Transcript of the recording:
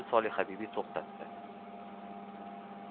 solihabibi to'xtatdi